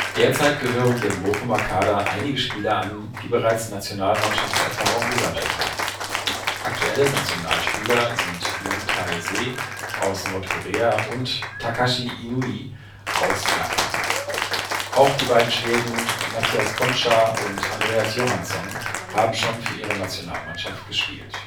Derzeit gehören dem Bochumer Kader einige Spieler an, die bereits Nationalmannschaftserfahrung gesammelt haben. Aktuelle Nationalspieler sind Jong Tae-se (Nordkorea) und Takashi Inui (Japan). Auch die beiden Schweden Matías Concha und Andreas Johansson haben schon für ihre Nationalmannschaft gespielt